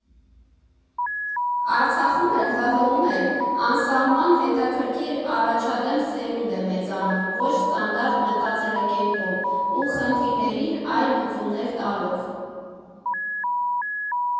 Արցախում էլ, ՀՀ֊ում էլ անսահման հետաքրքիր, առաջադեմ սերունդ է մեծանում՝ ոչ ստանդարտ մտածելակերպով ու խնդիրներին այլ լուծումներ տալով։